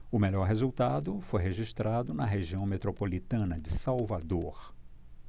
o melhor resultado foi registrado na região metropolitana de salvador